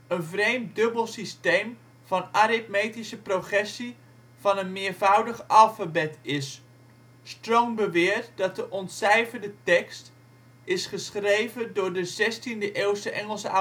een " vreemd dubbel systeem van aritmetische progressie van een meervoudig alfabet " is. Strong beweert dat de ontcijferde tekst is geschreven door de zestiende-eeuwse Engelse